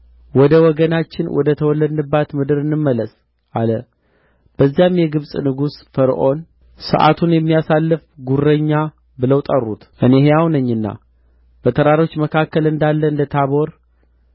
ወደ ወገናችን ወደ ተወለድንባት ምድር እንመለስ አሉ በዚያም የግብሥ ንጉሥ ፈርዖንን ሰዓቱን የሚያሳልፍ ጉረኛ ብለው ጠሩት እኔ ሕያው ነኝና በተራሮች መካከል እንዳለ እንደ ታቦር